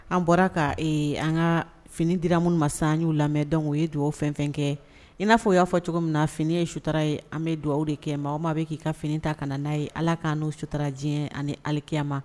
An bɔra ka an ka fini dira minnu ma san n y'u lamɛn dɔn o ye dugawu fɛn kɛ in n'a fɔ o y'a fɔ cogo min na fini ye suta ye an bɛ dugawu aw de kɛ mɔgɔ maa bɛ k'i ka fini ta ka n'a ye ala k ka n'o sutara diɲɛ ani alikiya ma